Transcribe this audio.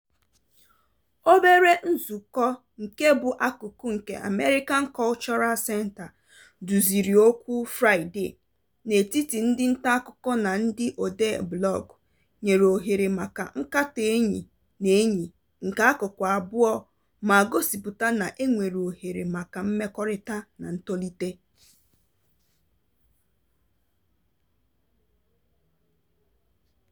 Obere nzukọ nke bụ akụkụ nke American Cultural Center duziri "Okwu Fraịdee" n'etiti ndị ntaakụkọ na ndị odee blọọgụ nyere ohere maka nkatọ enyi na enyi nke akụkụ abụọ ma gosịpụta na e nwere ohere maka mmekọrịta na ntolite.